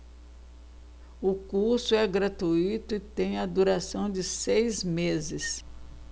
o curso é gratuito e tem a duração de seis meses